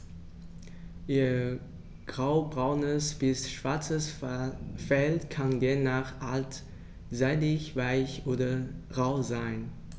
Ihr graubraunes bis schwarzes Fell kann je nach Art seidig-weich oder rau sein.